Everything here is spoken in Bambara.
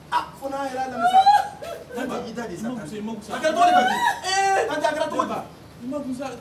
Jira